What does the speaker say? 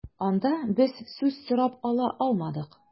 Анда без сүз сорап ала алмадык.